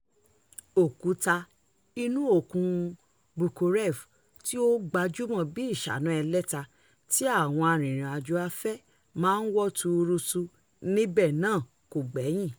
Òkúta inú òkun Buccoo Reef tí o gbajúmọ̀ bí ìṣáná ẹlẹ́ta tí àwọn arìnrìn-àjò afẹ́ máa ń wọ́ tùùrùtù níbẹ̀ náà kò gbẹ́yìn.